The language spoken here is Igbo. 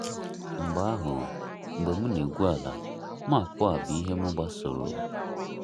Mgbe ahụ, mgbe m na-egwu ala, maapụ a bụ ihe m gbasoro.